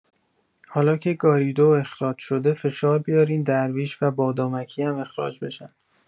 حالا که گاریدو اخراج شده فشار بیارین درویش و بادامکی هم اخراج بشن.